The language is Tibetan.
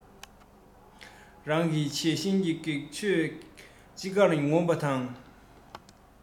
རང གི བྱད བཞིན གྱི སྒེག ཆོས ཅི འགར ངོམ པ དང